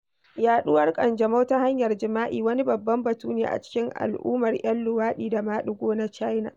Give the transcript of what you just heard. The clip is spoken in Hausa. Yaɗuwar ƙanjamau ta hanyar jima'i wani babban batu ne a cikin al'ummar 'yan luwaɗi da maɗigo na China.